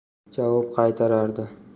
javob qaytarardi